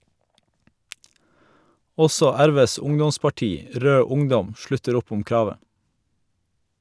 Også RVs ungdomsparti, Rød Ungdom, slutter opp om kravet.